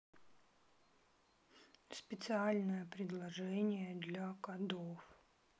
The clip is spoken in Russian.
специальное приложение для кодов